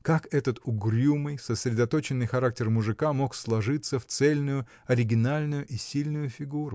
Как этот угрюмый, сосредоточенный характер мужика мог сложиться в цельную, оригинальную и сильную фигуру?